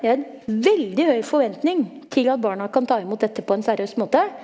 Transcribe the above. de har hatt veldig høy forventing til at barna kan ta imot dette på en seriøs måte.